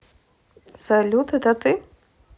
салют это ты